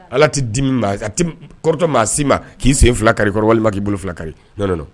Ala tɛ dimi a te kɔrɔtɔ maa si ma k'i sen fila kari kɔrɔ walima k'i bolo fila kari